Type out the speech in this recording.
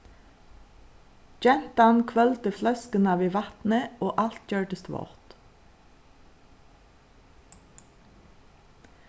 gentan hvølvdi fløskuna við vatni og alt gjørdist vátt